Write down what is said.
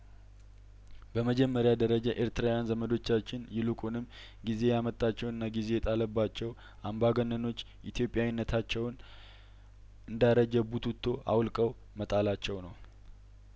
በመጀመሪያ ደረጃ ኤርትራውያን ዘመዶቻችን ይልቁንም ጊዜ ያመጣ ቸውና ጊዜ የጣለባቸው አምባገነኖች ኢትዮጵያዊነታቸውን እንዳረጀ ቡትቱ አውልቀው መጣላቸው ነው